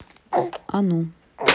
а ну